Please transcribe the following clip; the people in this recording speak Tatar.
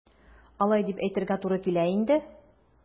Алай дип әйтергә туры килә инде.